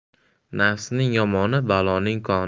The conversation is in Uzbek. nafsning yomoni baloning koni